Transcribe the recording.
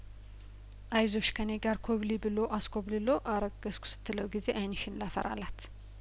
አይዞሽ ከኔጋር ኮብልዪ ብሎ አስኮብልሎ አረገዝኩ ስትለው ጊዜ አይንሽን ላፈር አላት